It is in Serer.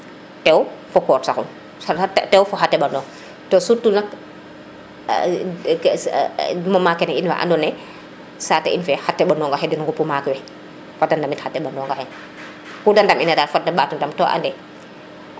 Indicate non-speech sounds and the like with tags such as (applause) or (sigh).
tew fo koor saqun tew faxa teɓanoŋ to surtout nak (hesitation) moment kene i ndef na ando naye saate in fe xa teɓanoŋa xe den ŋupu paak we fada ndamit xa teɓanoŋa xe ku de ndam ina dal fata mbata ndam to ane